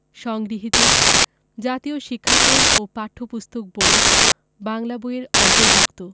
সংগৃহীত জাতীয় শিক্ষাক্রম ও পাঠ্যপুস্তক বোর্ড বাংলা বই এর অন্তর্ভুক্ত